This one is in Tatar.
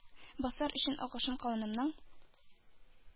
Басар өчен агышын канымның.